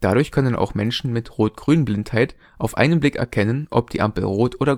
Dadurch können auch Menschen mit Rot-Grün-Blindheit auf einen Blick erkennen, ob die Ampel Rot oder